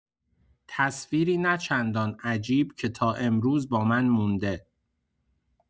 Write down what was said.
تصویری نه‌چندان عجیب که تا امروز با من مونده.